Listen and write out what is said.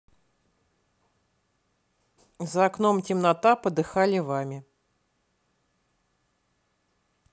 за окном темнота подыхали вами